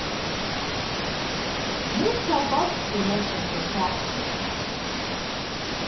nú skal deiggið leggjast í fatið